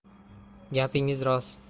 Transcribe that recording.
gapingiz rost